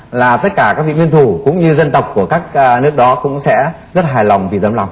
là tất cả các vị nguyên thủ cũng như dân tộc của các a nước đó cũng sẽ rất hài lòng vì tấm lòng